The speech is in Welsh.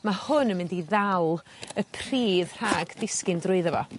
ma' hwn yn mynd i ddal y pridd rhag disgyn drwyddo fo.